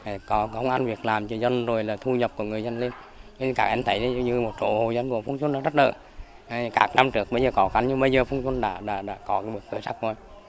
họ có công ăn việc làm cho dân rồi là thu nhập của người dân lên hiện tại anh thấy nó giống như một hộ dân vùng trung du nắng đất lở hay các năm trước với nhiều khó khăn nhưng bây giờ phân vân đã đã đã có một khởi sắc